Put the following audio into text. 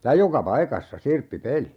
ja joka paikassa sirppipeli